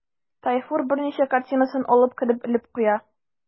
Тайфур берничә картинасын алып кереп элеп куя.